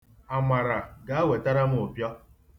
Amara, gaa wetere m ụpịọ.